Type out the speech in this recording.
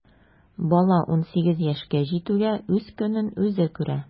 Бала унсигез яшькә җитүгә үз көнен үзе күрә.